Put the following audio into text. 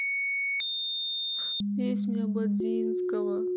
песни ободзинского